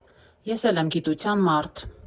Ես էլ եմ գիտության մարդ։